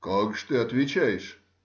— Как же ты отвечаешь?